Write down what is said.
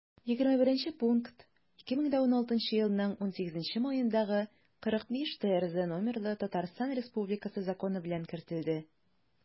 21 пункт 2016 елның 18 маендагы 45-трз номерлы татарстан республикасы законы белән кертелде